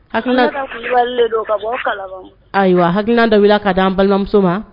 Ha ayiwa hakian dɔ wulila k'a di an balimamuso ma